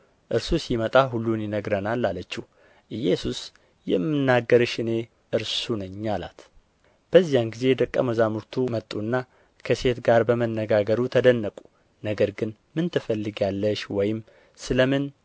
እርሱ ሲመጣ ሁሉን ይነግረናል አለችው ኢየሱስ የምናገርሽ እኔ እርሱ ነኝ አላት በዚያም ጊዜ ደቀ መዛሙርቱ መጡና ከሴት ጋር በመነጋገሩ ተደነቁ ነገር ግን ምን ትፈልጊያለሽ ወይም ስለ ምን